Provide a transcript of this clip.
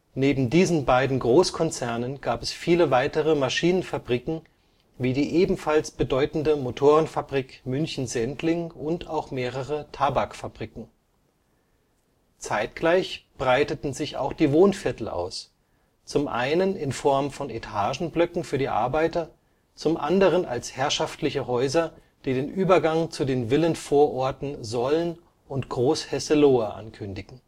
Neben diesen beiden Großkonzernen gab es viele weitere Maschinenfabriken wie die ebenfalls bedeutende Motorenfabrik München-Sendling und auch mehrere Tabakfabriken. Zeitgleich breiteten sich auch die Wohnviertel aus, zum einen in Form von Etagenblöcken für die Arbeiter, zum anderen als herrschaftliche Häuser, die den Übergang zu den Villenvororten Solln und Großhesselohe ankündigen